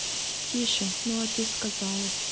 тише ну а ты сказала